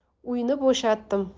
uyni bo'shatdim